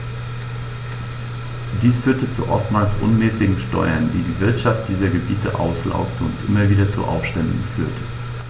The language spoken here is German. Dies führte zu oftmals unmäßigen Steuern, die die Wirtschaft dieser Gebiete auslaugte und immer wieder zu Aufständen führte.